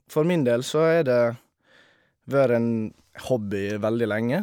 For min del så er det vør en hobby veldig lenge.